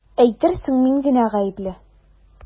Әйтерсең мин генә гаепле!